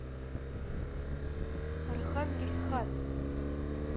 архангель хас